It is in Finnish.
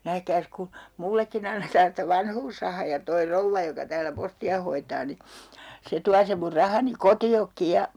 nähkääs kun minullekin annetaan sitä vanhuusrahaa ja tuo rouva joka täällä postia hoitaa niin se tuo sen minun rahani kotiinkin ja